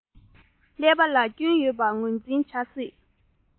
ཀླད པ ལ སྐྱོན ཡོད པ ངོས འཛིན བྱ སྲིད